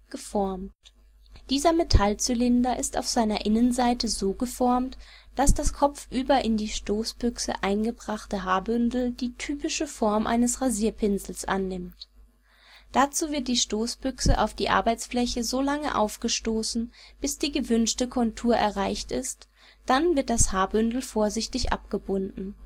geformt. Dieser Metallzylinder ist auf seiner Innenseite so geformt, dass das kopfüber in die Stoßbüchse eingebrachte Haarbündel die typische Form eines Rasierpinsels annimmt. Dazu wird die Stoßbüchse auf die Arbeitsfläche so lange aufgestoßen, bis die gewünschte Kontur erreicht ist, dann wird das Haarbündel vorsichtig abgebunden